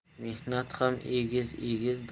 mehnat ham egiz egiz